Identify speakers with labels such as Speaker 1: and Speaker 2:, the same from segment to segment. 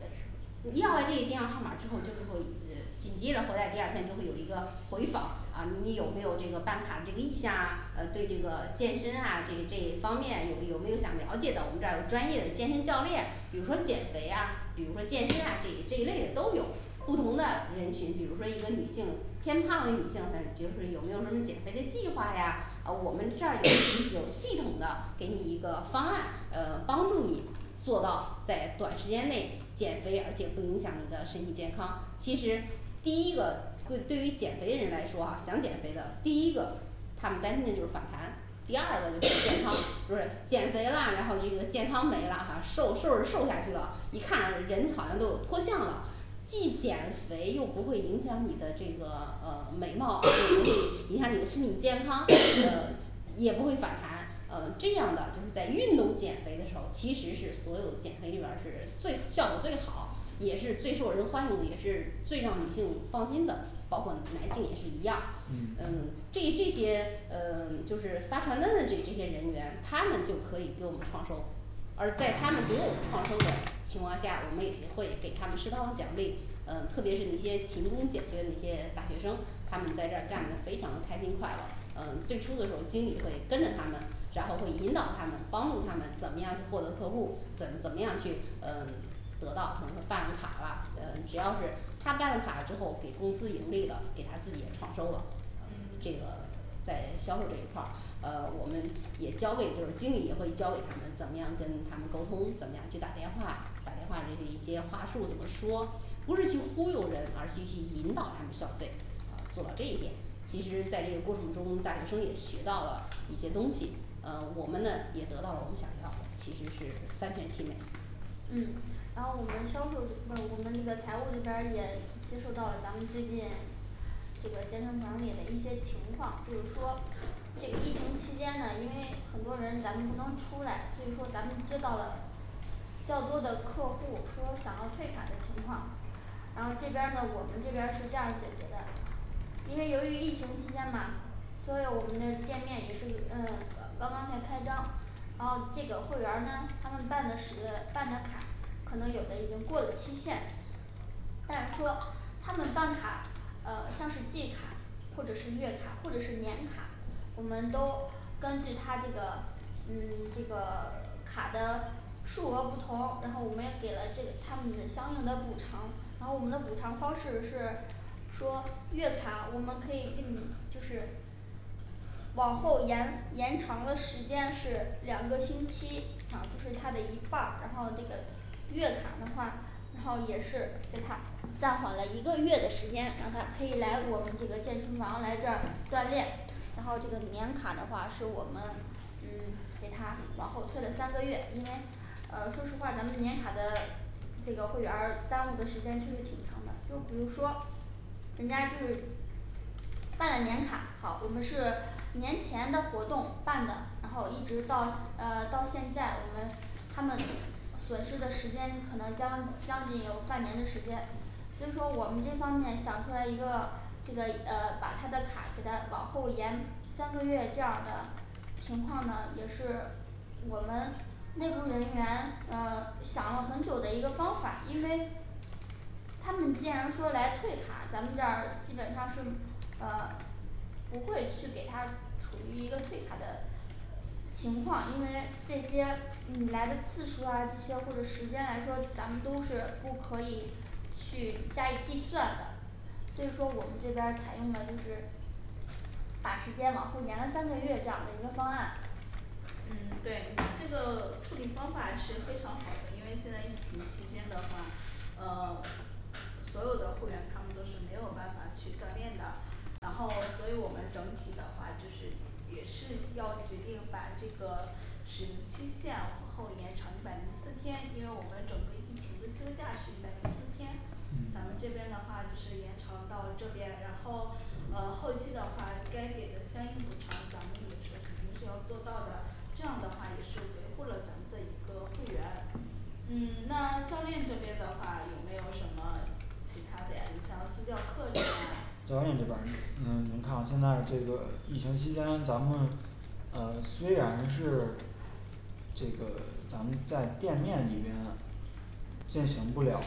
Speaker 1: 呃是你要了这电
Speaker 2: 嗯
Speaker 1: 话号码儿之后你就会呃紧接着回来，第二天就会有一个回访啊，你有没有这个办卡这个意向啊，呃对这个健身啊这这方面有有没有想了解的？我们这儿有专业的健身教练，比如说减肥啊，比如说健身啊这一这一类的都有不同的人群，比如说一个女性，偏胖的女性，嗯比如说有没有什么减肥的计划呀，啊我们这儿有& &有系统的给你一个方案，呃帮助你做到在短时间内减肥，而且不影响你的身体健康，其实第一个贵 对于减肥人来说啊，想减肥的第一个他们担心的就是反弹，第二个就是健康，& &不是减肥啦，然后这个健康没啦，啊瘦瘦是瘦下去了，一看人好像都脱相了既减肥又不会影响你的这个呃美貌& &，你看你的身体健康呃& &也不会反弹。呃这样的就是在运动减肥的时候，其实是所有减肥里边儿是最效果最好也是最受人欢迎的，也是最让女性放心的，包括男性也是一样，呃
Speaker 3: 嗯
Speaker 1: 这这些嗯 就是发传单的这这些人员，他们就可以给我们创收。而在他们给我们创收的情况下，我们也会给他们适当奖励，呃特别是一些勤工俭学的一些大学生，他们在这儿干的非常开心快乐，呃最初的时候儿经理会跟着他们，然后会引导他们帮助他们，怎么样去获得客户，怎怎么样去呃得到比如办个卡了，呃只要是他办了卡之后给公司盈利了，给他自己也创收了这
Speaker 2: 嗯
Speaker 1: 个在销售这一块儿，呃我们也教给就是经理也会教给他们怎么样跟他们沟通，怎么样去打电话，打电话这一些话术怎么说不是去忽悠人，而去去引导他们消费，啊做到这一点，其实在这个过程中大学生也学到了一些东西，啊我们呢也得到了我们想到其实是三全其美
Speaker 4: 嗯然后我们销售就不是我们这个财务这边儿也接收到，咱们最近这个节能管理的一些情况就是说这个疫情期间呢，因为很多人咱们不能出来，所以说咱们接到了较多的客户说想要退卡的情况，然后这边儿呢我们这边儿是这样解决的因为由于疫情期间嘛，所以我们的店面也是嗯刚刚刚才开张然后这个会员儿呢他们办的时呃办的卡，可能有的已经过了期限但是说他们办卡呃像季卡或者是月卡或者是年卡，我们都根据他这个嗯这个卡的数额不同，然后我们也给了这他们的相应的补偿，然后我们的补偿方式是说月卡我们可以给你就是往后延延长的时间是两个星期，啊就是它的一半儿，然后这个月卡的话，然后也是给他暂缓了一个月的时间，让他可以来我们这个健身房来这儿锻炼。然后这个年卡的话是我们嗯给他往后推了三个月，因为呃说实话咱们年卡的这个会员儿耽误的时间确实挺长的，就比如说人家就是办了年卡好，我们是年前的活动办的，然后一直到啊到现在我们他们损失的时间可能将将近有半年的时间，所以说我们这方面想出来一个这个呃把他的卡给他往后延三个月这样的情况呢也是我们内部人员嗯想了很久的一个方法，因为他们既然说来退卡，咱们这儿基本上是呃不会去给他处于一个退卡的情况，因为这些你来的次数啊这些或者时间来说，咱们都是不可以去加以计算的。所以说我们这边儿采用的就是把时间往后延了三个月这样的一个方案
Speaker 2: 嗯对这个处理方法是非常好的，因为现在疫情期间的话，呃所有的会员他们都是没有办法去锻炼的然后所以我们整体的话就是也是要决定把这个使用期限往后延长一百零四天，因为我们整个疫情的休假是一百零四天，咱们
Speaker 3: 嗯
Speaker 2: 这边的话就是延长到这边，然后呃后期的话该给的相应补偿咱们也是肯定是要做到的这样的话也是维护了咱们的一个会员嗯那教练这边的话有没有什么其他的呀你像私教课程呀&&
Speaker 3: 教练这边儿你嗯您看现在这个疫情期间，咱们呃虽然是这个咱们在店面里边进行不了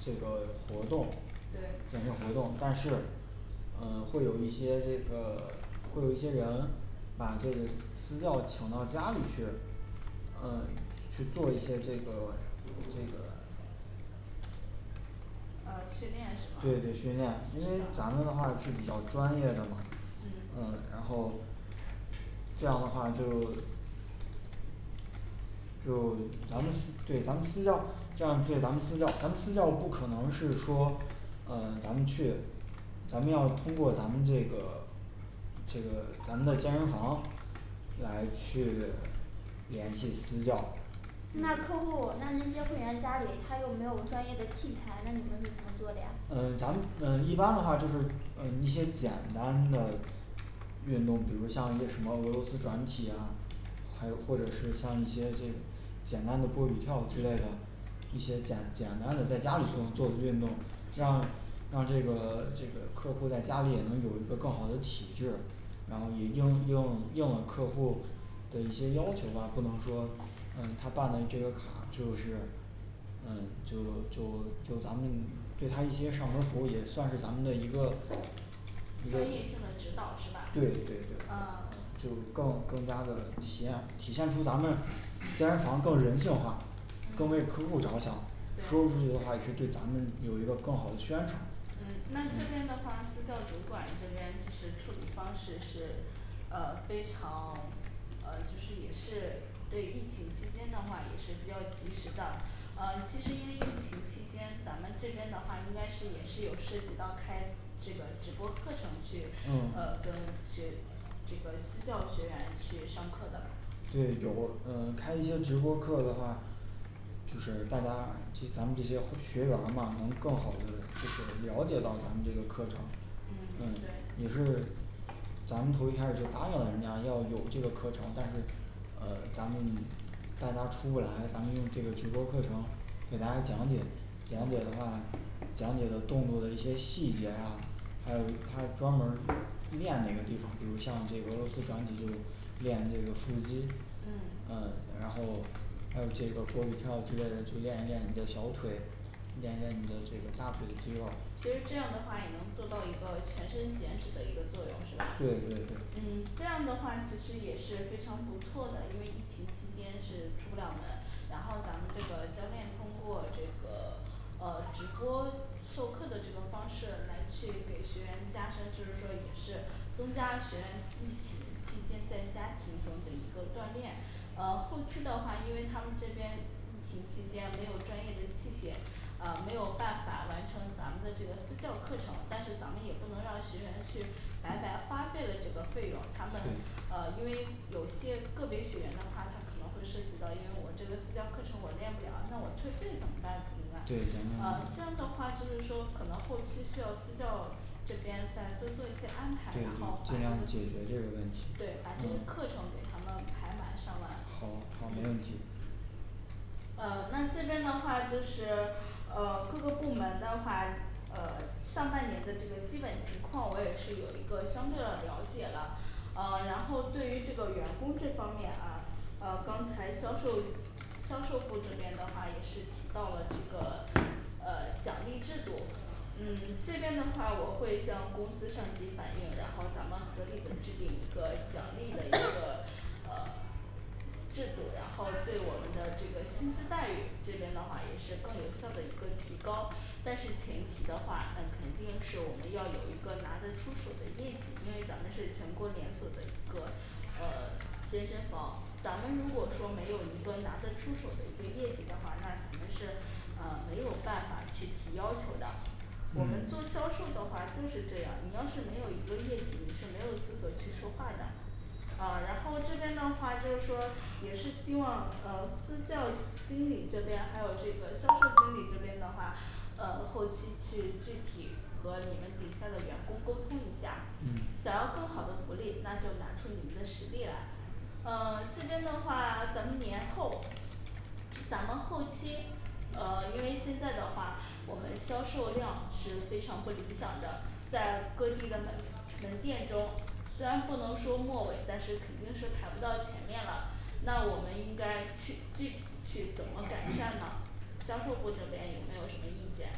Speaker 3: 这个活动，健
Speaker 2: 对
Speaker 3: 身活动，但是呃会有一些这个会有一些人把这个私教请到家里去呃去做一些这个这个
Speaker 2: 呃训练是
Speaker 3: 对对
Speaker 2: 吗
Speaker 3: 对训练因为
Speaker 2: 指导
Speaker 3: 咱们的话是比较专业的嘛
Speaker 2: 嗯
Speaker 3: 呃然后这样的话就就咱们
Speaker 2: 也
Speaker 3: 对咱们私教，这样对咱们私教咱们私教不可能是说呃咱们去咱们要通过咱们这个这个咱们的健身房来去联系私教
Speaker 4: 那客
Speaker 2: 嗯
Speaker 4: 户那那些会员家里他又没有专业的器材，那你们怎么做的呀
Speaker 3: 呃咱们呃一般的话就是嗯一些简单的运动，比如像一些什么俄罗斯转体啊，还有或者是像一些这简单的波比跳之类的一些简简单的在家里就能做的运动，让让这个这个客户在家里也能有一个更好的体制，然后也应应应了客户的一些要求吧，不能说嗯他办了这个卡就是嗯就就就咱们对他一些上门儿服务也算是咱们的一个一
Speaker 2: 专
Speaker 3: 个
Speaker 2: 业性的指导是吧
Speaker 3: 对对对
Speaker 2: 啊
Speaker 3: 就更更加的体验体现出咱们健身房更人性化更
Speaker 2: 嗯
Speaker 3: 为客
Speaker 2: 对
Speaker 3: 户着想，说出
Speaker 2: 对
Speaker 3: 去的话也是对咱们有一个更好的宣
Speaker 2: 嗯
Speaker 3: 传
Speaker 2: 那这边
Speaker 3: 嗯
Speaker 2: 的话私教主管这边就是处理方式是呃非常呃就是也是对疫情期间的话也是比较及时的呃其实因为疫情期间，咱们这边的话应该是也是有涉及到开这个直播课程去
Speaker 3: 嗯
Speaker 2: 呃跟学这个私教学员去上课的啦
Speaker 3: 对有嗯开一些直播课的话就是大家这咱们这些学员儿嘛能更好的就是了解到咱们这个课程。
Speaker 2: 嗯
Speaker 3: 嗯，
Speaker 2: 对
Speaker 3: 也是。咱们头一开始就答应了，人家要有这个课程，但是呃咱们大家出不来，咱们用这个直播课程给大家讲解，讲解的
Speaker 2: 嗯
Speaker 3: 话讲解的动作的一些细节啊还有他专门儿练哪个地方，比如像这俄罗斯转体就练这个腹肌
Speaker 2: 嗯，
Speaker 3: 嗯然后还有这个波比跳之类的，这个练一练你的小腿练一练你的这个大腿肌肉
Speaker 2: 其实这样的话也能做到一个全身减脂的一个作用是吧？
Speaker 3: 对对
Speaker 2: 嗯
Speaker 3: 对
Speaker 2: 这样的话其实也是非常不错的，因为疫情期间是出不了门，然后咱们这个教练通过这个呃直播授课的这个方式来去给学员加深，就是说也是增加学员疫情期间在家庭中的一个锻炼呃后期的话因为他们这边疫情期间没有专业的器械，呃没有办法完成咱们的这个私教课程，但是咱们也不能让学员去白白花费了这个费用，他们
Speaker 3: 对
Speaker 2: 呃因为有些个别学员的话，他可能会涉及到，因为我这个私教课程我练不了那我退费怎么办怎么办
Speaker 3: 对咱？
Speaker 2: 啊
Speaker 3: 们
Speaker 2: 这样的话就是说可能后期需要私教&d 这边再多做一些
Speaker 3: 对
Speaker 2: 安排，
Speaker 3: 对
Speaker 2: 然后把这
Speaker 3: 尽量
Speaker 2: 个
Speaker 3: 解决这个问题
Speaker 2: 对把这个课
Speaker 3: 嗯
Speaker 2: 程给他们排满上
Speaker 3: 好
Speaker 2: 完
Speaker 3: 好没
Speaker 2: 嗯
Speaker 3: 问题
Speaker 2: 呃那这边的话就是呃各个部门的话，呃上半年的这个基本情况我也是有一个相对的了解了。呃然后对于这个员工这方面啊呃刚才销售销售部这边的话也是提到了这个呃，奖励制度嗯这边的话，我会向公司上级反映，然后咱们合理的制定一个奖励的一个 呃制度然后对我们的这个薪资待遇这边的话也是更有效的一个提高，但是前提的话那肯定是我们要有一个拿得出手的业绩，因为咱们是全国连锁的一个呃健身房咱们如果说没有一个拿得出手的一个业绩的话，那咱们是啊没有办法去提要求的我们做销
Speaker 3: 嗯
Speaker 2: 售的话就是这样，你要是没有一个业绩，你是没有资格去说话的啊然后这边的话就是说也是希望呃私教经理这边还有这个销售经理这边的话呃后期去具体和你们底下的员工沟通一下，想
Speaker 3: 嗯
Speaker 2: 要更好的福利，那就拿出你们的实力来呃这边的话咱们年后至 咱们后期呃因为现在的话我们销售量是非常不理想的，在各地的门门店中虽然不能说末尾，但是肯定是排不到前面了，我们应该去具体去怎么改善呢销售部这边有没有什么意见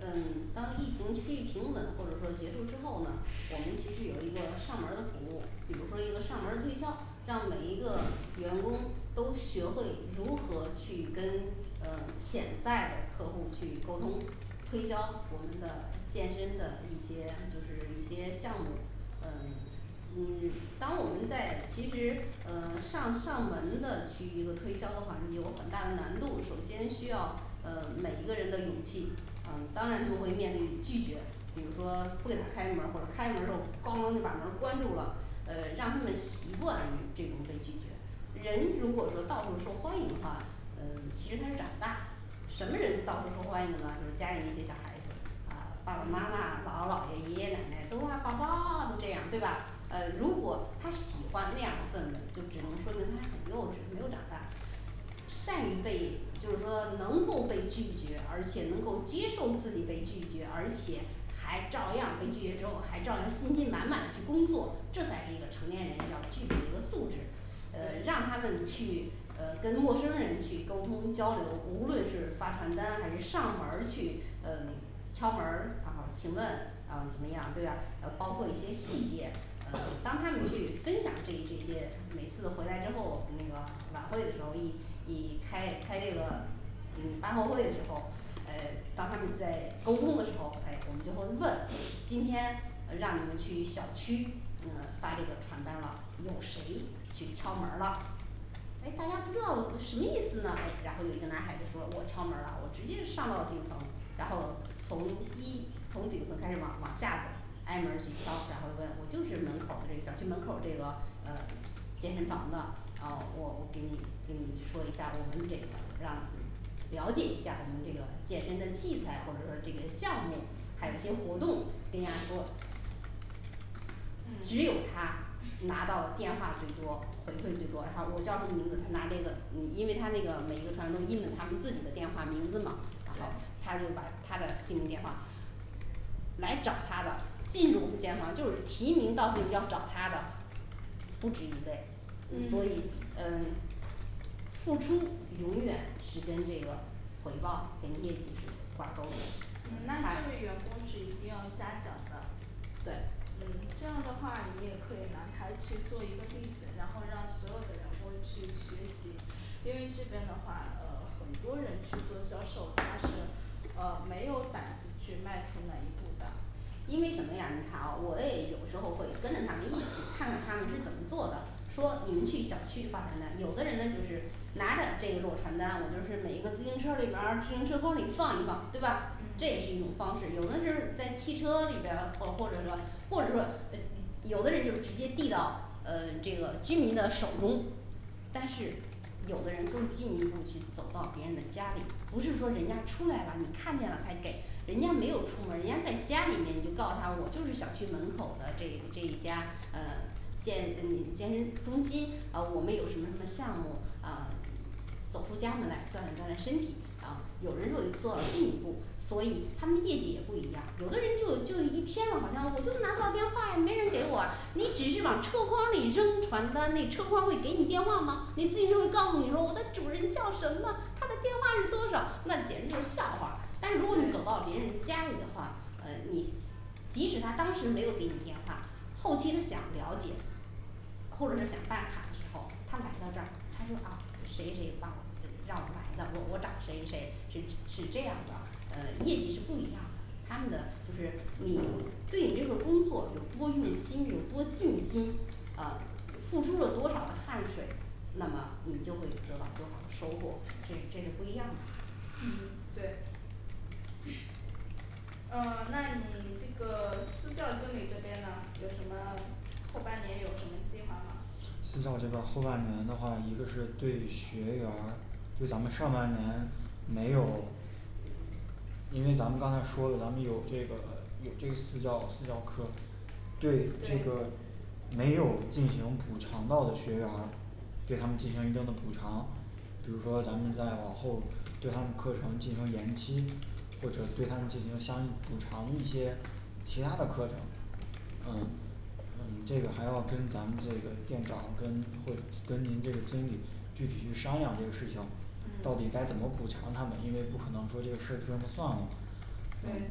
Speaker 1: 嗯当疫情趋于平稳或者说结束之后呢，我们其实有一个上门儿的服务，比如说一个上门儿推销，让每一个员工都学会如何去跟呃潜在的客户去沟通，推销我们的健身的一些就是一些项目。嗯嗯当我们在其实呃上上门的去一个推销环节有很大的难度，首先需要呃每一个人的勇气，啊当然他们会面临拒绝比如说不给他开门儿或者开门儿之后，嘭就把门儿关住了呃让他们习惯于这种被拒绝人，如果说到处说欢迎的话，嗯其实他长大，什么人到处说欢迎呢，就是家里人接小孩子啊爸爸、妈妈、姥姥、姥爷、爷爷奶奶都爱宝宝，都这样儿对吧？呃如果他喜欢那样的氛围，就只能说明他很幼稚，没有长大善于被就是说能够被拒绝，而且能够接受自己被拒绝，而且还照样被拒绝之后，还照样信心满满地去工作，这才是一个成年人要具备一个素质呃让他
Speaker 4: 对
Speaker 1: 们去嗯跟陌生人去沟通交流，无论是发传单还是上门儿去嗯敲门儿啊，请问啊怎么样对吧？呃包括一些细节，嗯当他们去分享这这些，每次回来之后那个晚会的时候一一开开这个嗯答后会的时候，诶当他们在沟通的时候诶，我们就会问今天呃让你们去小区嗯发这个传单了，有谁去敲门儿了？诶大家不知道什么意思呢，诶然后有一个男孩子说我敲门儿了，我直接上到顶层，然后从一从顶层开始往往下走，挨门儿去敲，然后问我就是门口儿这个小区门口儿这个嗯健身房的，啊我给你给你说一下，我们这边儿让了解一下我们这个健身的器材，或者说这个项目&嗯&，还有一些活动跟大家说只有
Speaker 2: 嗯
Speaker 1: 他拿到的电话最多回馈最多，然后我叫什么名字他拿这个，嗯因为他那个每个传单都印了他们自己的电话名字嘛，然后
Speaker 2: 对
Speaker 1: 他就把他的姓名电话来找他的，进入我们店哈就是提名道姓要找他的不止一位所
Speaker 2: 嗯
Speaker 1: 以 呃付出永远是跟这个回报给业绩是挂钩儿的
Speaker 2: 嗯
Speaker 1: 他
Speaker 2: 那这位员工是一定要佳奖的
Speaker 1: 对
Speaker 2: 嗯这样的话你也可以拿他去做一个例子，然后让所有的员工去学习，因为这边的话呃很多人去做销售，他是呃没有胆子去迈出那一步的
Speaker 1: 因为什么呀？你看啊我也有时候会跟着他们一起看看他们是怎么做的说你们去小区发传单，有的人呢就是拿着这一摞传单，我就是每一个自行车里边儿自行车筐里放一放对吧？这也是一种
Speaker 2: 嗯
Speaker 1: 方式，有的是在汽车里边，或或者说或者说呃有的人就直接递到呃这个居民的手中但是有的人更进一步去走到别人的家里，不是说人家出来啦，你看见啦才给人家没有出门儿，人家在家里面你就告诉他我就是小区门口的这一这一家嗯建嗯健身中心，啊我们有什么什么项目啊走出家门来锻炼锻炼身体啊，有人会做到进一步所以他们的业绩也不一样，有的人就就是一天往上我就拿不到电话呀没人儿给我啊，你只是往车筐里扔传单，那车筐会给你电话吗？那自行车会告诉你说我的主人叫什么，他的电话是多少，那简直就是笑话儿，但是如果你走到
Speaker 2: 对
Speaker 1: 别人家里的话，嗯你即使他当时没有给你电话，后期他想了解或者是想办卡的时候，他来到这儿他说啊谁谁帮让我来的，我我找谁谁是是这样的，嗯业绩是不一样的，他们的就是你对你这份儿工作有多用心有多尽心，呃付出了多少的汗水，那么你就会得到多少的收获，这这是不一样的
Speaker 2: 嗯对嗯那你这个私教经理这边呢有什么后半年有什么计划吗？
Speaker 3: 私教这边儿后半年的话，一个是对学员儿对咱们上半年没有因为咱们刚才说了，咱们有这个有这个私教私教课，对这个
Speaker 2: 对
Speaker 3: 没有进行补偿到的学员儿，对他们进行一定的补偿。比如说咱们再往后对他们课程进行延期或者对他们进行相应补偿的一些其他的课程。嗯嗯这个还要跟咱们这个店长跟会跟您这个经理具体去商量这个事情，到底
Speaker 2: 嗯
Speaker 3: 该怎么补偿他们，因为不可能说这个事儿就这么算了嗯
Speaker 2: 对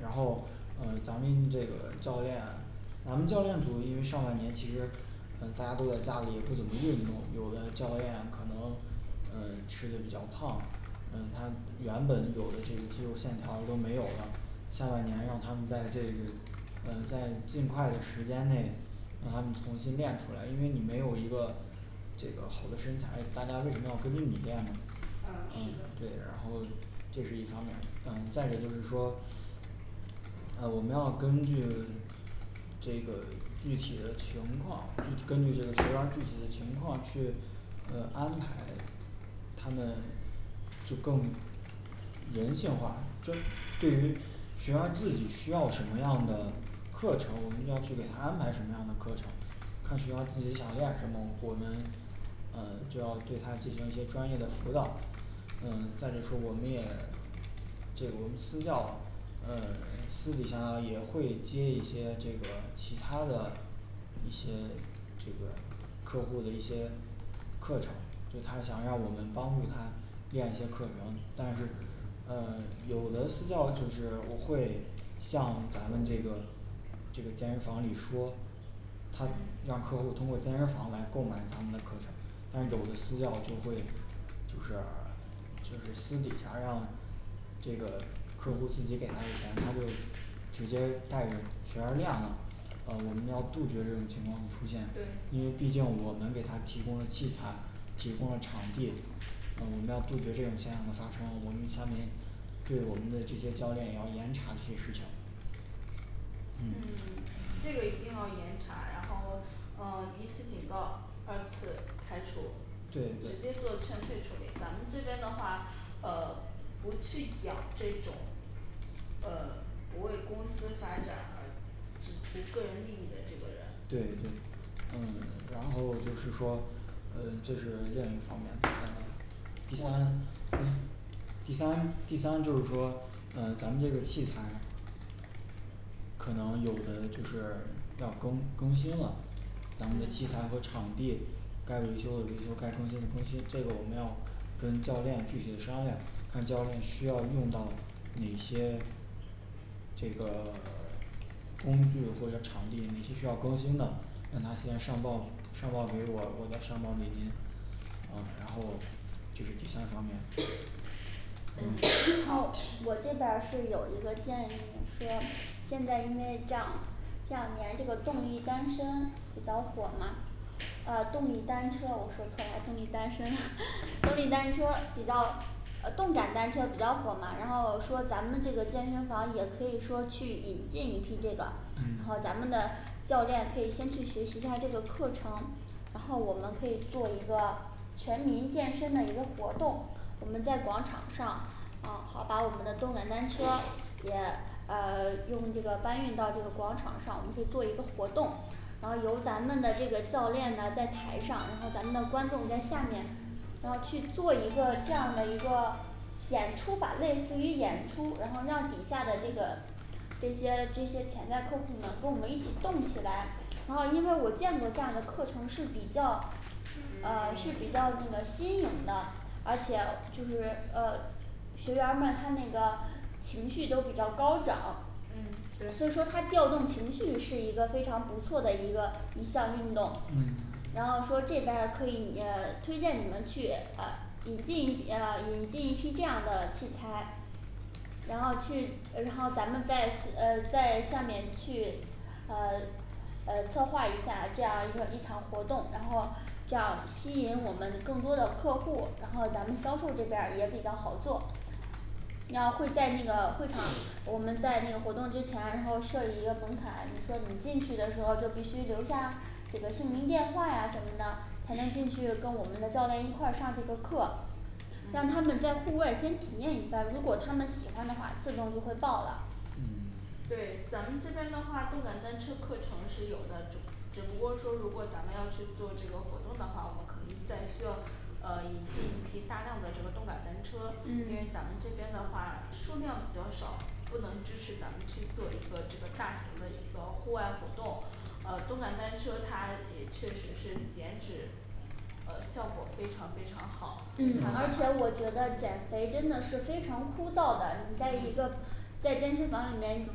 Speaker 3: 然后嗯咱们这个教练咱们教练组，因为上半年其实嗯大家都在家里也不怎么运动，有的教练可能嗯吃的比较胖，嗯他原本有的这个肌肉线条都没有了下半年让他们在这个嗯在尽快的时间内让他们重新练出来，因为你没有一个这个好的身材，大家为什么要跟着你练呢
Speaker 2: 啊是？
Speaker 4: 啊
Speaker 3: 对，
Speaker 2: 的
Speaker 3: 然后这是一方面，啊再一个就是说啊我们要根据这个具体的情况，根据这个学员儿具体的情况去嗯安排他们足更人性化，这对于学员儿自己需要什么样的课程，我们要去给他安排什么样的课程看学他自己想练什么，我们嗯就要对他进行一些专业的辅导，嗯再者说我们也这个我们私教呃私底下也会接一些这个其他的一些这个客户的一些课程，就他想让我们帮助他练一些课程，但是呃有的私教就是不会像咱们这个这个健身房里说，他
Speaker 2: 嗯
Speaker 3: 让客户通过健身房来购买咱们的课程，但有的私
Speaker 2: 嗯
Speaker 3: 教就会就是 就是私底下让这个客户自己给他的钱，他就直接带着学员儿练了。呃我们要杜绝这种情况的出现，
Speaker 2: 对
Speaker 3: 因为毕竟我们给他提供了器材，提供了场地，呃我们要杜绝这种现象的发生，我们下面对我们的这些教练也要严查这些事情
Speaker 2: 嗯
Speaker 3: 嗯
Speaker 2: 这个一定要严查，然后嗯一次警告，二次开除，
Speaker 3: 对
Speaker 2: 直接
Speaker 3: 对
Speaker 2: 做劝退处理，咱们这边的话呃不去养这种呃不为公司发展而只图个人利益的这个人
Speaker 3: 对对嗯然后就是说呃这是另一方面。呃第三三第三第三就是说嗯咱这个器材可能有的就是要更更新了，咱们的器材和
Speaker 2: 嗯
Speaker 3: 场地，该维修的维修，该更新的更新这个我们要跟教练具体的商量，看教练需要用到哪些这个 工具或者场地哪些需要更新的，让他先上报上报给我，我再上报给您。啊然后这是第三方面&& 嗯
Speaker 2: 嗯
Speaker 4: &&好，我这边儿是有一个建议，说现在因为这样这两年这个动力单身比较火嘛呃，动力单车我说错了，动力单身， 动力单车比较呃动感，单车比较火嘛，然后说咱们这个健身房也可以说去引进一批这个，然后咱
Speaker 3: 嗯
Speaker 4: 们的教练可以先去学习一下这个课程然后我们可以做一个全民健身的一个活动我们在广场上啊好把我们的动感单车也呃用这个搬运到这个广场上，我们可以做一个活动，然后由咱们的这个教练呢在台上，然后咱们的观众在下面然后去做一个这样的一个演出吧，类似于演出，然后让底下的这个这些这些潜在客户们跟我们一起动起来，然后因为我见过这样的课程是比较呃是比较那个新颖的，而且就是呃学员儿们他那个情绪都比较高涨
Speaker 2: 嗯，
Speaker 4: 所以
Speaker 2: 对
Speaker 4: 说他调动情绪是一个非常不错的一个一项运动，
Speaker 3: 嗯
Speaker 4: 然后说这边儿可以呃推荐你们去呃引进呃引进一批这样的器材然后去呃然后咱们在呃在下面去呃呃策划一下这样一个一场活动，然后这样吸引我们更多的客户，然后咱们销售这边儿也比较好做。你要会在那个会场，我们在那个活动之前然后设一个门槛，你说你进去的时候就必须留下这个姓名电话呀什么的才能进去，跟我们的教练一块儿上这个课让他
Speaker 2: 嗯
Speaker 4: 们在户外先体验一番，如果他们喜欢的话自动就会报了。
Speaker 3: 嗯
Speaker 2: 对，咱们这边的话动感单车课程是有的只只不过说如果咱们要去做这个活动的话，我们可能在需要呃引进一批大量的这个动感单车，因为咱
Speaker 4: 嗯
Speaker 2: 们这边的话数量比较少，不能支持咱们去做一个这个大型的一个户外活动呃动感单车它也确实是减脂呃效果非常非常好因为
Speaker 4: 嗯
Speaker 2: 它的
Speaker 4: 而且
Speaker 3: 嗯
Speaker 4: 我觉得减肥真的是非常枯燥的，你在一个
Speaker 2: 嗯
Speaker 4: 在健身房里面